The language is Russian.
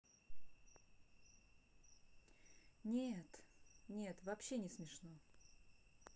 нет нет вообще не смешно